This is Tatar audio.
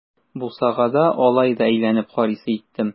Бусагада алай да әйләнеп карыйсы иттем.